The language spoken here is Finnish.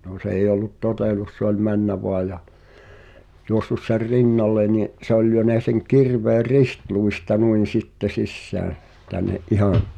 no se ei ollut totellut se oli mennyt vain ja juossut sen rinnalle niin se oli lyönyt sen kirveen ristiluista noin sitten sisään tänne ihan